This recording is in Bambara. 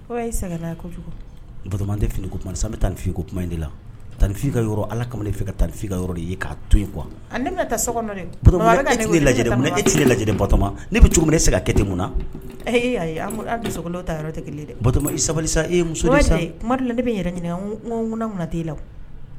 I fini kuma sa bɛ tan ni finiko kuma de la tan nifin ka ala ka fɛ ka tanfinka de ye ka to in kuwa so lajɛ e tile lajɛ batoma ne bɛ cogo segin ka kɛtɛ kun na e ayi so ta yɔrɔ tɛ kelen dɛ sabali e la ne bɛ yɛrɛ ɲini t la